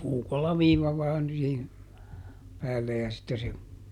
puukolla viiva vain siihen päälle ja sitten se